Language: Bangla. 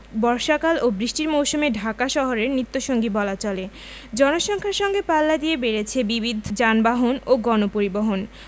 বর্ষাকাল ও বৃষ্টির মৌসুমে ঢাকা শহরের নিত্যসঙ্গী বলা চলে জনসংখ্যার সঙ্গে পাল্লা দিয়ে বেড়েছে বিবিধ যানবাহন ও গণপরিবহন